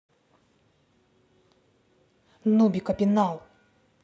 нубик опенал